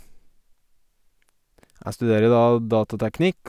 Jeg studerer da datateknikk.